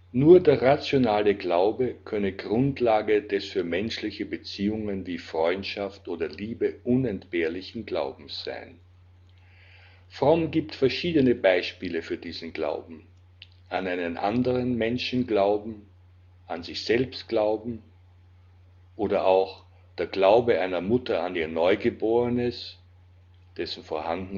Nur der rationale Glaube könne Grundlage des für menschliche Beziehungen wie Freundschaft oder Liebe unentbehrlichen Glaubens sein. Fromm gibt verschiedene Beispiele für diesen Glauben: An einen anderen glauben, an sich selbst glauben, oder auch der Glaube einer Mutter an ihr Neugeborenes, dessen Vorhandensein oder Nichtvorhandensein